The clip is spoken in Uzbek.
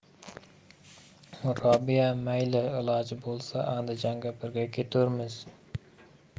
robiya mayli iloji bo'lsa andijonga birga keturmiz